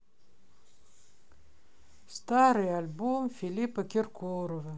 старый альбом филиппа киркорова